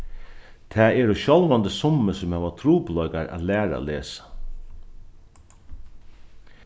tað eru sjálvandi summi sum hava trupulleikar at læra at lesa